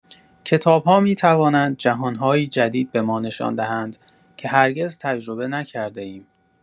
کتاب‌ها می‌توانند جهان‌هایی جدید به ما نشان دهند که هرگز تجربه نکرده‌ایم.